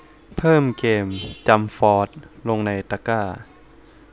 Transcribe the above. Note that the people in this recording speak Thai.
เพิ่มเกมจั้มฟอสลงในตะกร้า